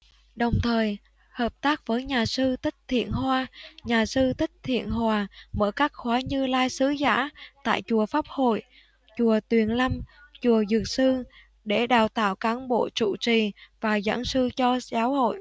đồng thời hợp tác với nhà sư thích thiện hoa nhà sư thích thiện hòa mở các khóa như lai sứ giả tại chùa pháp hội chùa tuyền lâm chùa dược sư để đào tạo cán bộ trụ trì và giảng sư cho giáo hội